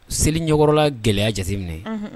Seli ɲɛkɔrɔla gɛlɛya jate minɛ